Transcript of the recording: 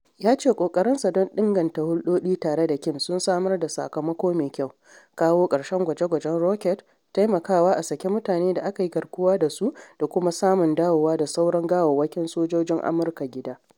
Ya ce ƙoƙarinsa don inganta hulɗoɗi tare da Kim sun samar da sakamako mai kyau - kawo ƙarshen gwaje-gwajen roket, taimakawa a sake mutanen da aka yi garkuwa da su da kuma samun dawowa da sauran gawawwakin sojojin Amurka gida.